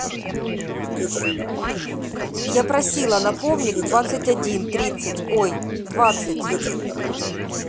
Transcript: я просила напомнить в двадцать один тридцать ой двадцать